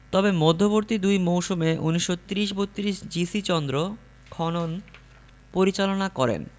তবে মধ্যবর্তী দুই মৌসুমে ১৯৩০ ৩২ জি.সি চন্দ্র খনন পরিচালনা করেন